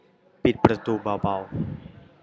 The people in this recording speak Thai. ปิดประตูเบาๆ